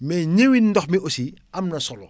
mais ñëwin ndox mi aussi am na solo